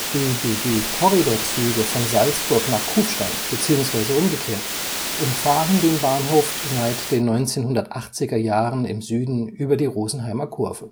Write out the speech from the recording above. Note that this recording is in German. ÖBB-Korridorzüge von Salzburg nach Kufstein beziehungsweise umgekehrt umfahren den Bahnhof seit den 1980er Jahren im Süden über die Rosenheimer Kurve